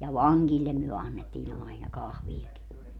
ja vangeille me annettiin aina kahviakin